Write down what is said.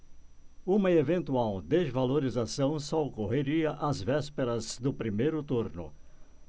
uma eventual desvalorização só ocorreria às vésperas do primeiro turno